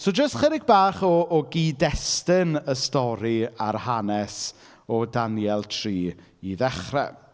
So, jyst chydig bach , o gyd-destun y stori a'r hanes o Daniel tri i ddechrau.